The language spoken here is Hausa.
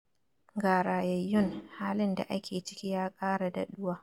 Ga rayayyun, halin da ake ciki ya kara daɗuwa.